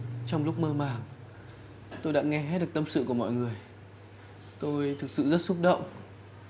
trong lúc mơ màng tôi đã nghe hết được tâm sự của mọi người tôi thực sự rất xúc động